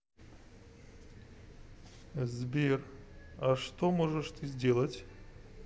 сбер а что можешь ты сделать